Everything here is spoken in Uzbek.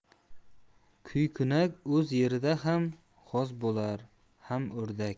kuykunak o'z yerida ham g'oz bo'lar ham o'rdak